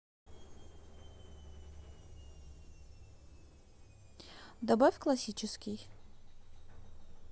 добавь классический